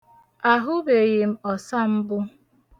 Ahụbeghị m ọsa mbụ.